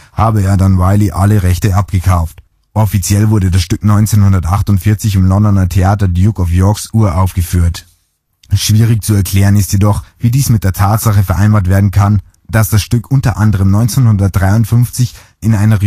habe er dann Wylie alle Rechte abgekauft. Offiziell wurde das Stück 1948 im Londoner Theater Duke of Yorks uraufgeführt. Schwierig zu erklären ist jedoch, wie dies mit der Tatsache vereinbart werden kann, dass das Stück unter anderem 1953 in einer